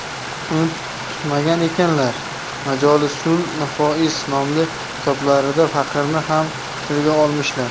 unutmagan ekanlar majolisun nafois nomli kitoblarida faqirni ham tilga olmishlar